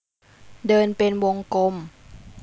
เดินเป็นวงกลม